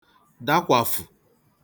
dakwàfụ̀